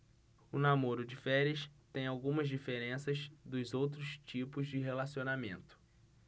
o namoro de férias tem algumas diferenças dos outros tipos de relacionamento